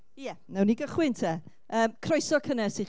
Ie, wnawn ni gychwyn te. Yym croeso cynnes i chi.